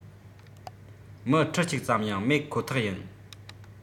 མི ཁྲི གཅིག ཙམ ཡང མེད ཁོ ཐག ཡིན